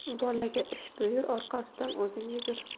bolaga ish buyur orqasidan o'zing yugur